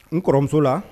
N kɔrɔmuso la.